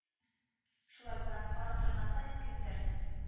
Шулай уйланып карап торганда, кемдер: